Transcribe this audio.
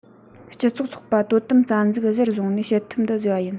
སྤྱི ཚོགས ཚོགས པ དོ དམ རྩ ཚིག གཞིར བཟུང ནས བྱེད ཐབས འདི བཟོས པ ཡིན